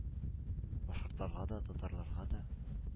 Башкортларга да, татарларга да.